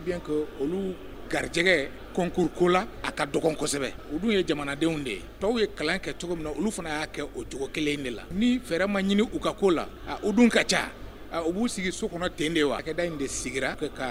Garijɛgɛko la asɛbɛ dun ye jamanadenw ye tɔw ye kalan kɛ cogo min olu fana y'a kɛ o cogo kelen de la ni fɛɛrɛ ma ɲini u ka ko la u dun ka ca u b'u sigi so kɔnɔ ten de ye a da in de